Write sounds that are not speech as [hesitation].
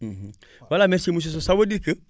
[hesitation] [hesitation] [breath] voilà merci monsieur Sow ça veut dire que